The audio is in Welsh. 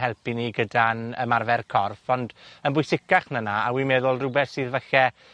helpu ni gyda'n ymarfer corff. Ond yn bwysicach na 'na, a wi'n meddwl rhwbeth sydd falle